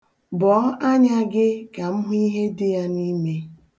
Bọọ anya gị ka m hụ ihe dị ya n'ime.